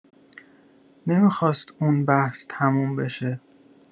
نمی‌خواست اون بحث تموم بشه